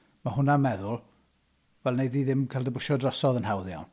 Mae hwnna'n meddwl... fel wnei di ddim cael dy bwsio drosodd yn hawdd iawn.